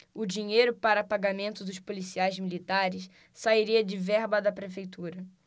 o dinheiro para pagamento dos policiais militares sairia de verba da prefeitura